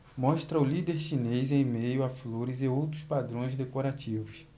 mostra o líder chinês em meio a flores e outros padrões decorativos